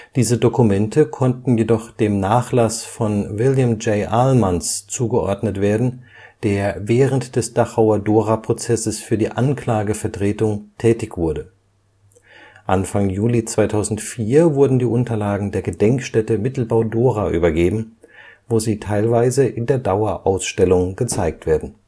Diese Dokumente konnten jedoch dem Nachlass von William J. Aalmans zugeordnet werden, der während des Dachauer Dora-Prozesses für die Anklagevertretung tätig wurde. Anfang Juli 2004 wurden die Unterlagen der Gedenkstätte Mittelbau-Dora übergeben, wo sie teilweise in der Dauerausstellung gezeigt werden